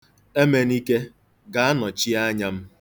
Emenike, gaa, nọchie anya m.